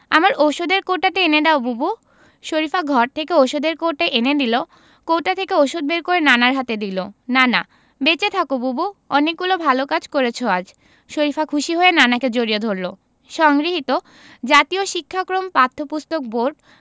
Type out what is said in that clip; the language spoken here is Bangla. আমার ঔষধের কৌটোটা এনে দাও বুবু শরিফা ঘর থেকে ঔষধের কৌটোটা এনে দিল কৌটা থেকে ঔষধ বের করে নানার হাতে দিল নানা বেঁচে থাকো বুবু অনেকগুলো ভালো কাজ করেছ আজ শরিফা খুশি হয়ে নানাকে জড়িয়ে ধরল সংগৃহীত জাতীয় শিক্ষাক্রম ও পাঠ্যপুস্তক বোর্ড